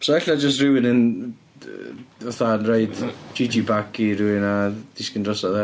So ella jyst rywun yn d- fatha yn roid jiji back i rywun a disgyn drosodd ia?